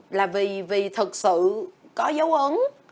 là vì vì thực sự có dấu ấn